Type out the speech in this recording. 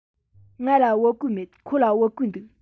ང ལ བོད གོས མེད ཁོ ལ བོད གོས འདུག